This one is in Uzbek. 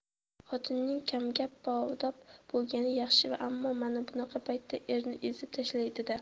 xotinning kamgap baodob bo'lgani yaxshi ya ammo mana bunaqa paytda erni ezib tashlaydi da